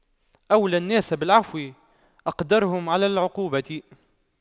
أولى الناس بالعفو أقدرهم على العقوبة